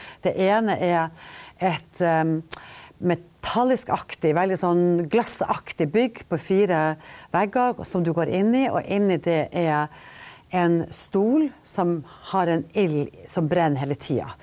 det ene er et metalliskaktig, veldig sånn glassaktig bygg på fire vegger som du går inn i og inni det er en stol som har en ild som brenner hele tida.